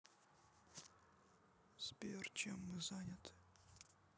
сбер чем мы заняты